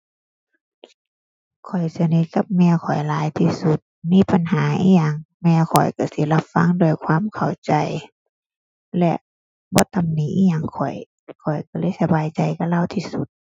ข้อยสนิทกับแม่ข้อยหลายที่สุด มีปัญหาอิหยังแม่ข้อยก็สิรับฟังด้วยความเข้าใจและบ่ตำหนิอิหยังข้อย ข้อยก็เลยสบายใจกับเลาที่สุด